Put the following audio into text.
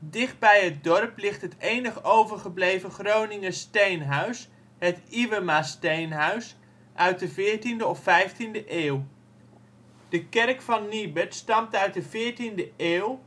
Dicht bij het dorp ligt de enig overgebleven Groninger steenhuis het Iwema-Steenhuis (14e/15e eeuw). De kerk van Niebert stamt uit de veertiende eeuw